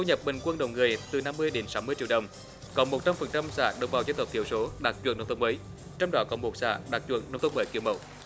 thu nhập bình quân đầu người từ năm mươi đến sáu mươi triệu đồng còn một trăm phần trăm xã đồng bào dân tộc thiểu số đạt chuẩn nông thôn mới trong đó có một xã đạt chuẩn nông thôn mới kiểu mẫu